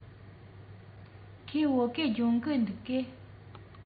ཁོས བོད སྐད སྦྱོང གི འདུག གས